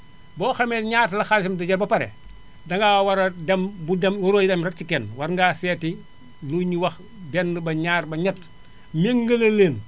boo xamee ñaata la xaalisam di jar ba pare dangaa war a dem bul dem warooy yem rek ci kenn war ngaa seeti luñu wax benn ba ñaar ba ñett mmutuelle :fragale leen